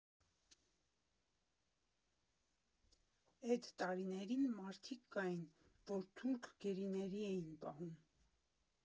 Էդ տարիներին մարդիկ կային, որ թուրք գերիների էին պահում։